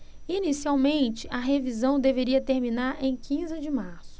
inicialmente a revisão deveria terminar em quinze de março